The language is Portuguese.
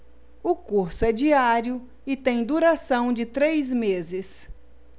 o curso é diário e tem duração de três meses